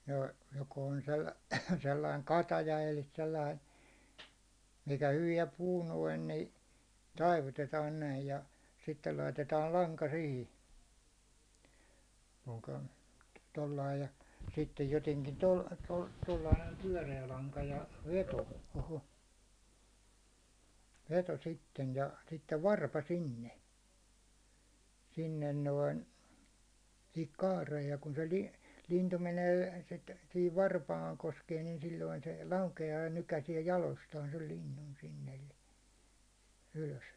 no joko on - sellainen kataja eli sellainen mikä hyvään puu noin niin taivutetaan näin ja sitten laitetaan lanka siihen puukon tuolla lailla ja sitten jotenkin -- tuolla lailla näin pyöreä lanka ja veto oho veto sitten ja sitten varpa sinne sinne noin siihen kaareen ja kun se - lintu menee sitten siihen varpaan koskee niin silloin se laukeaa ja nykäisee jaloistaan sen linnun sinne eli ylös